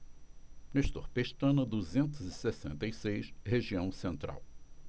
nestor pestana duzentos e sessenta e seis região central